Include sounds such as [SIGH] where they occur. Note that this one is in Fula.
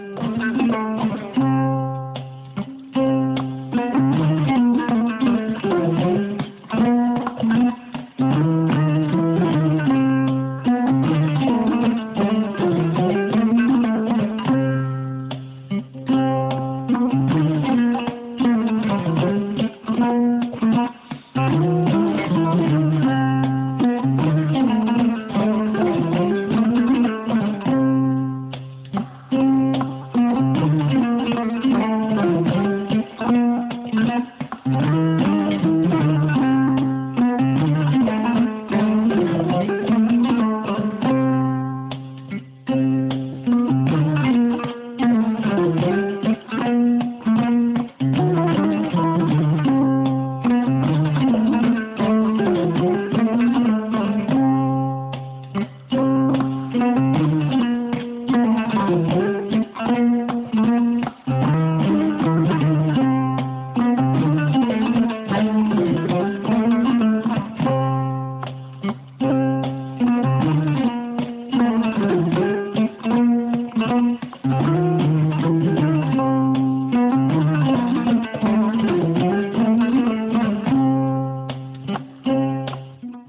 [MUSIC]